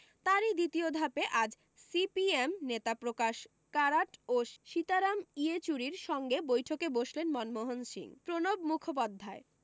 তারি দ্বিতীয় ধাপে আজ সিপিএম নেতা প্রকাশ কারাট ও সীতারাম ইয়েচুরির সঙ্গে বৈঠকে বসলেন মনমোহন সিংহ প্রণব মুখোপাধ্যায়